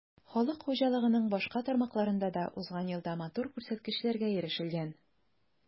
Халык хуҗалыгының башка тармакларында да узган елда матур күрсәткечләргә ирешелгән.